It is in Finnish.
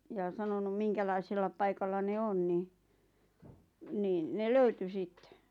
ja sanonut minkälaisella paikalla ne on niin niin ne löytyi sitten